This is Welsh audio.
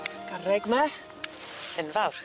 Garreg 'my. Enfawr.